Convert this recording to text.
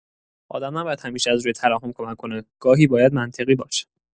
آدم نباید همیشه از روی ترحم کمک کنه، گاهی باید منطقی باشه.